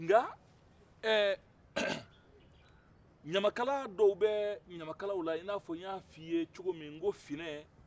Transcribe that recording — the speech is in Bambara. nka ɛh ɛhɛh ɲamakala dɔw bɛ ɲamakalaw la i n'a fɔ n y'a f'i ye cogo min n ko finɛ